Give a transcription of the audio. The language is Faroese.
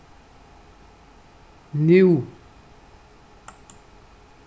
nú